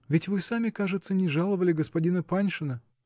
-- Ведь вы сами, кажется, не жаловали господина Паншина.